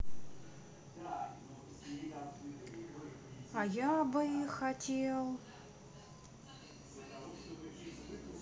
а я бы хотел